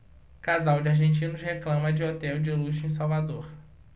casal de argentinos reclama de hotel de luxo em salvador